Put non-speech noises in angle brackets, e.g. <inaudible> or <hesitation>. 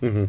<hesitation> <hesitation>